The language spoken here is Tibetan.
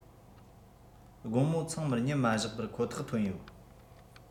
དགོང མོ ཚང མར ཉམས མ བཞག པར ཁོ ཐག ཐོན ཡོད